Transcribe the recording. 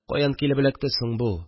Каян килеп эләкте соң бу